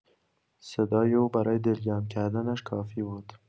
صدای او برای دلگرم کردنش کافی بود.